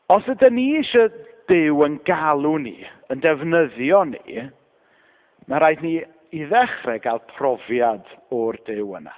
Os ydyn ni isio Duw ein galw ni, ein defnyddio ni, ma'n rhaid i ni i ddechrau gael profiad o'r Duw yna.